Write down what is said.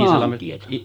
maantietä